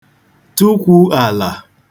tukwu àlà